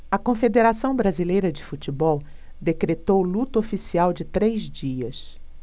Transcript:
a confederação brasileira de futebol decretou luto oficial de três dias